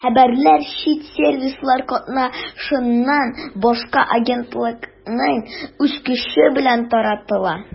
Хәбәрләр чит сервислар катнашыннан башка агентлыкның үз көче белән таратыла.